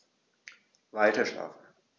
Weiterschlafen.